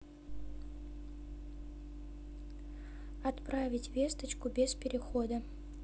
отправить весточку нет перехода